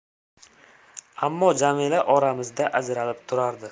ammo jamila oramizda ajralib turardi